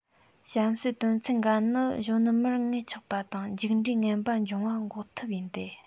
གཤམ གསལ དོན ཚན འགའ ནི གཞོན ནུ མར མངལ ཆགས པ དང མཇུག འབྲས ངན པ འབྱུང བ འགོག ཐབས ཡིན ཏེ